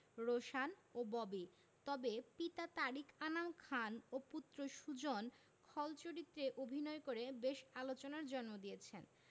রোশান ও ববি তবে পিতা তারিক আনাম খান ও পুত্র সুজন খল চরিত্রে অভিনয় করে বেশ আলোচনার জন্ম দিয়েছেন